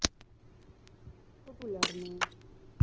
популярные